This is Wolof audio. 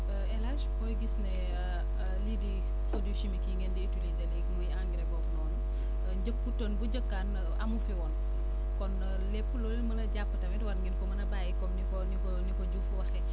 El Hadj booy gis ne lii di produits chimiques yi ngeen di utiliser léegi muy engrais boobu noonu njëkkutoon bu njëkkaan amu fi woon kon lépp loo leen mën a jàpp tamit war ngeen ko mën a bàyyi comme ni ko ni ko ni ko Diuou waxee